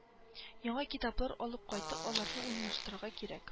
Яңа китаплар алып кайттык аларны урнаштырырга кирәк